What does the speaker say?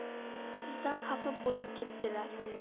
bizdan xafa bo'lib ketdilar